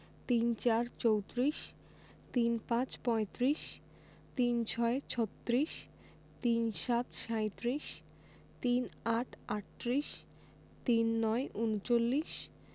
৩৪ - চৌত্রিশ ৩৫ - পঁয়ত্রিশ ৩৬ - ছত্রিশ ৩৭ - সাঁইত্রিশ ৩৮ - আটত্রিশ ৩৯ - ঊনচল্লিশ